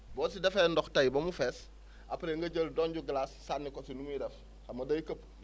boo si defee ndox tey ba mu fees après nga jël ndonj glace sànni kosi ni muy def xam nga day këppu